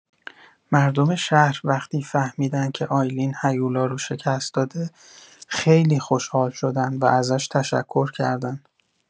مردم شهر وقتی فهمیدن که آیلین هیولا رو شکست داده، خیلی خوشحال شدن و ازش تشکر کردن.